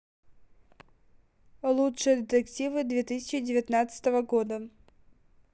лучшие детективы две тысячи девятнадцатого года